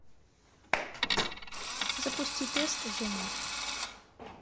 запусти тест женя